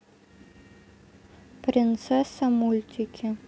принцесса мультики